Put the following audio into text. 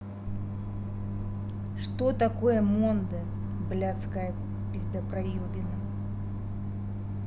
что такое monde блядская пиздопроебина